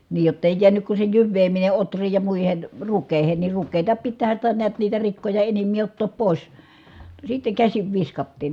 niin jotta ei jäänyt kuin se jyvääminen ohriin ja muihin rukiisiin niin ruista pitäähän sitä näet niitä rikkoja enimpiä ottaa pois sitten käsin viskattiin